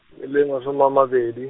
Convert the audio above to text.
e le masoma a mabedi.